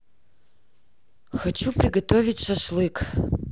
хочу приготовить шашлык